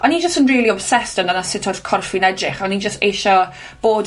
O'n i jyst rili obsessed amdano sut oedd corff fi'n edrych. O'n i'n jyst eisio bod